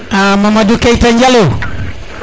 a Mamadou Keita Njalo